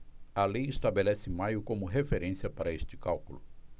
a lei estabelece maio como referência para este cálculo